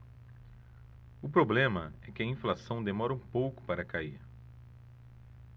o problema é que a inflação demora um pouco para cair